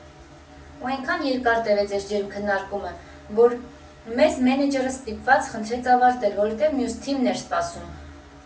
Ու էնքան երկար տևեց էս ջերմ քննարկումը, որ մեզ մենեջերը ստիպված խնդրեց ավարտել, որովհետև մյուս թիմն էր սպասում։